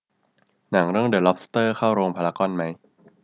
หนังเรื่องเดอะล็อบสเตอร์เข้าโรงพารากอนมั้ย